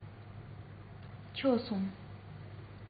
མཆོད སོང